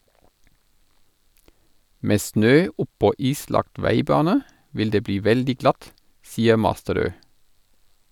Med snø oppå islagt veibane vil det bli veldig glatt, sier Masterød.